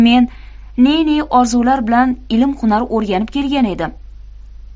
men ne ne orzular bilan ilm hunar o'rganib kelgan edim